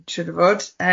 Yym.